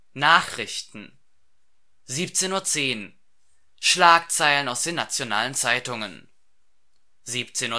Nachrichten 17:10 Schlagzeilen aus den nationalen Zeitungen 17:20